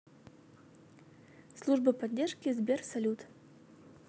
служба поддержки сбер салют